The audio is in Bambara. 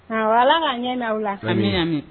A ala ka ɲɛ na la hami ɲa